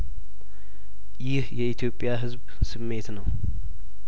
ይህ የኢትዮጵያ ህዝብ ስሜት ነው